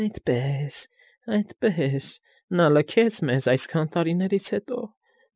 Այդպե՜ս֊ս֊ս, այդպե՜ս֊ս֊ս։ Նա լքեց մեզ֊զ֊զ այս֊ս֊քան տարիներից հետո։